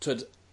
t'wod